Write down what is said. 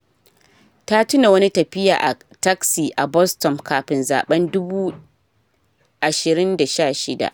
Ta tuna wani tafiya a taksi a Boston kafin zaben 2016.